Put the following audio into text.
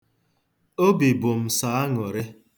Obi bụ m sọ anụrị.